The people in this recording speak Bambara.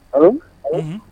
A un